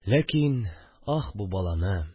Ләкин... Ах, бу баланы